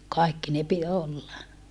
kaikki ne - olla